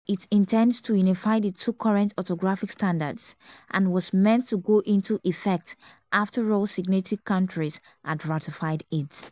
It intends to unify the two current orthographic standards and was meant to go into effect after all signatory countries had ratified it.